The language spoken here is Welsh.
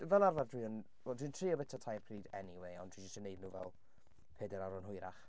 Fel arfer dwi yn... wel dwi'n trio byta 3 pryd eniwe, ond dwi jyst yn wneud nhw pedair awr yn hwyrach.